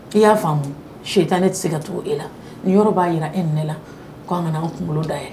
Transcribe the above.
I y'a faamumu si tan ne tɛ se ka taa e la ni yɔrɔ b'a jira e ni ne la ko'an kana anan kunkolo da ye